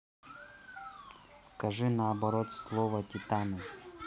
скажи наоборот слово титаны